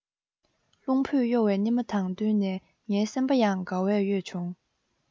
རླུང བུས གཡོ བའི སྙེ མ དང བསྟུན ནས ངའི སེམས པ ཡང དགའ བས གཡོས བྱུང